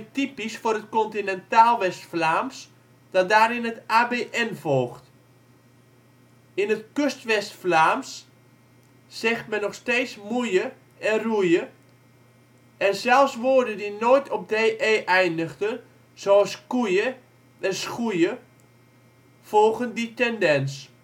typisch voor het continentaal West-Vlaams, dat daarin het ABN volgt. In het Kustwest-Vlaams zegt men nog steeds moeë en roeë, en zelfs woorden die nooit op – de eindigden, zoals koeë en schoeë, volgen die tendens